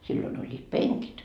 silloin olivat penkit